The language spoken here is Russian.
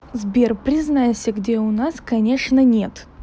сбер признавайся где у нас конечно нет